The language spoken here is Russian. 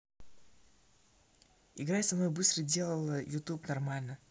играй со мной быстро сделала youtube нормально